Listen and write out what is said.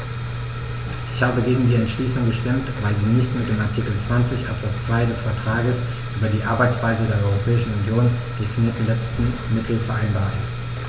Ich habe gegen die Entschließung gestimmt, weil sie nicht mit dem in Artikel 20 Absatz 2 des Vertrags über die Arbeitsweise der Europäischen Union definierten letzten Mittel vereinbar ist.